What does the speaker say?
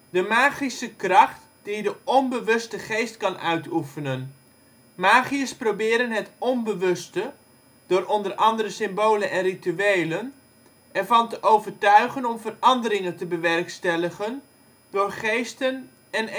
de magische kracht die de onbewuste geest kan uitoefenen: magiërs proberen het onbewuste (door o.a. symbolen en rituelen) ervan te overtuigen om veranderingen te bewerkstelligen, door geesten en